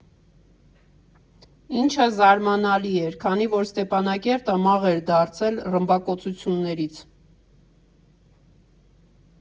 Ինչը զարմանալի էր, քանի որ Ստեփանակերտը մաղ էր դարձել ռմբակոծություններից։